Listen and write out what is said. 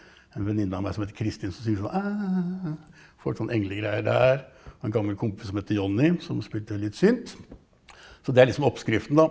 en venninne av meg som het Christin som synger sånn får litt sånn englegreier der, og en gammel kompis som het Johnny som spilte litt synt så det er liksom oppskriften da.